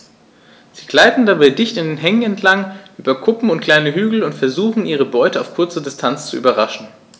Sie gleiten dabei dicht an Hängen entlang, über Kuppen und kleine Hügel und versuchen ihre Beute auf kurze Distanz zu überraschen.